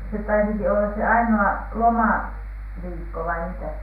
se taisikin olla se ainoa - lomaviikko vai mitä